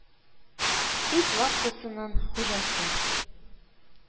Ит лавкасының хуҗасы